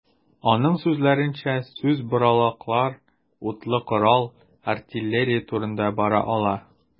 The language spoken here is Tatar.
Аның сүзләренчә, сүз боралаклар, утлы корал, артиллерия турында бара ала.